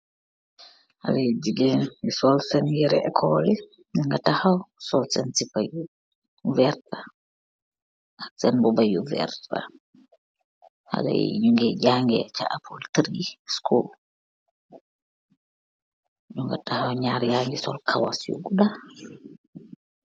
Haleh yi jigeen yu sol sen yereh ecole yii, nju nga takhaw sol sen zeepah yu vertah ak sen mbuba yu vertah, haleh yi njungeh jaangeh cha apple tree school, nju nga takhaw njarr yangy sol kawass yu guda.